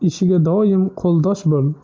ishiga doim qo'ldosh bo'l